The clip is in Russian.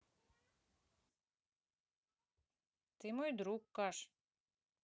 ты мой друг kush